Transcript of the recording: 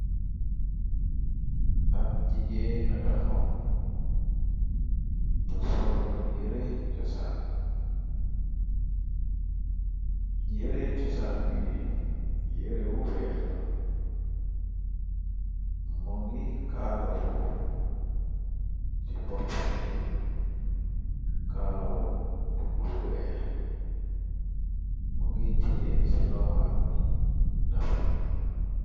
At jigee na taxaw bu solu yere cosaan wi yerewu weex la moo ngi kaalawu ci boppam bi kaalaw bu yu weex mo ngi tie ci loxam bi nafa.